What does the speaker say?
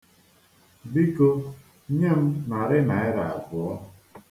Biko, nyem nari naịra abụọ.